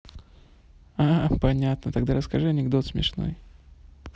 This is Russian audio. а понятно тогда расскажи анекдот смешной